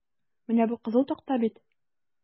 Менә бу кызыл такта бит?